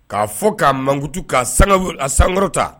K'a fɔ k'a mankutu k'a saŋa wu a saŋɔrɔ ta